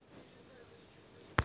песня федерико феллини